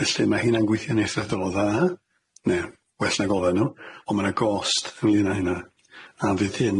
Felly ma' hynna'n gweithio'n eitha ddiddorol dda, ne well nag oddan nw, ond ma' na gost ynglŷn â hynna, a fydd hyn